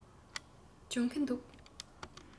སྦྱོང གི འདུག